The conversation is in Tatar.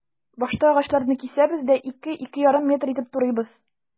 Башта агачларны кисәбез дә, 2-2,5 метр итеп турыйбыз.